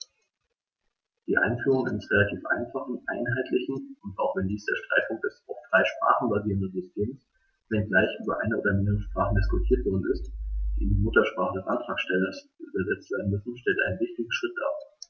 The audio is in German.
Die Einführung eines relativ einfachen, einheitlichen und - auch wenn dies der Streitpunkt ist - auf drei Sprachen basierenden Systems, wenngleich über eine oder mehrere Sprachen diskutiert worden ist, die in die Muttersprache des Antragstellers übersetzt werden würden, stellt einen wichtigen Schritt dar.